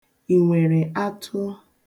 I nwere atụ?